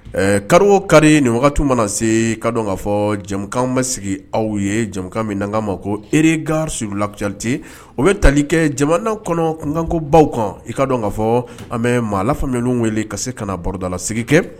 Ɛ ka kari nin wagati mana se ka dɔn kaa fɔ jamukan bɛ sigi aw ye jamukan min na'a ma ko ere slacti u bɛ tali kɛ jamana kɔnɔkanko baw kan i ka dɔn kaa fɔ mɛ maa la faamuyalen wele ka se ka na barodalasigi kɛ